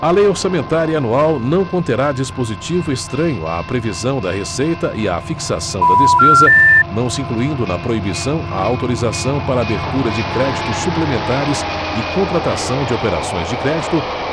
a lei orçamentária anual não conterá dispositivo estranho à previsão da receita e à fixação da despesa não se incluindo na proibição a autorização para abertura de créditos suplementares e contratação de operações de crédito